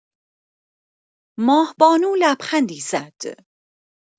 ماه‌بانو لبخندی زد